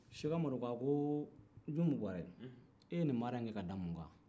seko amadu ko junmu buwarɛ e ye nin baara in kɛ k'a da mun kan